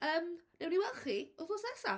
Yym, wnewn ni weld chi wythnos nesa.